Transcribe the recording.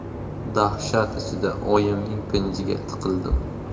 dahshat ichida oyimning pinjiga tiqildim